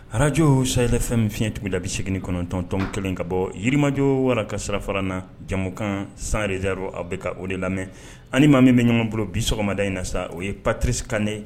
Ararajo sayɛlɛfɛn fi fiɲɛtigɛ dabise9tɔntɔn kelen ka bɔ yirimajjɔ wara ka sirafa na ja kan san earo aw bɛ ka o de lamɛn ani maa min bɛ ɲɔgɔn bolo bi sɔgɔma da in na sa o ye paptirisi kane